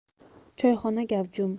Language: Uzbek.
choyxona gavjum